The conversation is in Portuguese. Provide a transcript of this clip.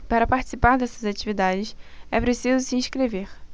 para participar dessas atividades é preciso se inscrever